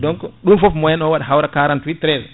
donc ɗum foof moyenne o hawra 48 13